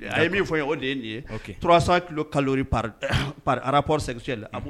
A ye min fɔ ye o de ye ninnye 300 kg de calories par rapport sexuel